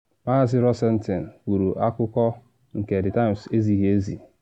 Maazị Rosentein kwuru akụkọ nke The Times ezighi ezi.